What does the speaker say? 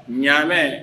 Ɲamɛn